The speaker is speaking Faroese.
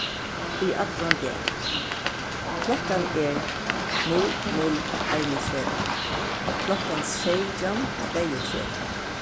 í allan dag klokkan er null null einogtretivu klokkan seytjan tveyogtretivu